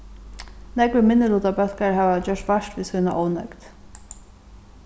nógvir minnilutabólkar hava gjørt vart við sína ónøgd